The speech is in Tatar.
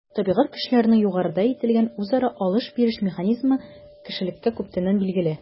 Табигать көчләренең югарыда әйтелгән үзара “алыш-биреш” механизмы кешелеккә күптәннән билгеле.